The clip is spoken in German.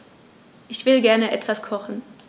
Ich will gerne etwas kochen.